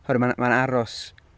Oherwydd ma- mae'n aros...